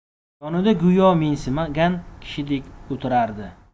yonida go'yo mensimagan kishidek o'tirardi